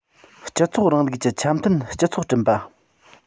སྤྱི ཚོགས རིང ལུགས ཀྱི འཆམ མཐུན སྤྱི ཚོགས བསྐྲུན པ